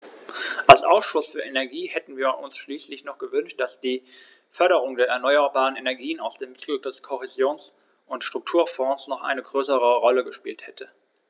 Als Ausschuss für Energie hätten wir uns schließlich noch gewünscht, dass die Förderung der erneuerbaren Energien aus den Mitteln des Kohäsions- und Strukturfonds eine noch größere Rolle gespielt hätte.